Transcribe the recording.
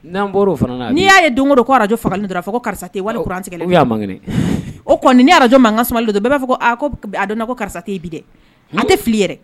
N'an n'i y'a ye don ko don k'ajɔ faralen dɔrɔn ko karisa wali o kɔni nin ya ara jɔ makas don bɛɛ b'a fɔ a dɔn ko karisa bi dɛ an tɛ fili yɛrɛ